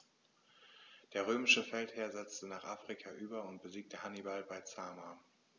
Der römische Feldherr setzte nach Afrika über und besiegte Hannibal bei Zama.